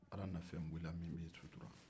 ala n'a fɛn b'i la min b'i sutura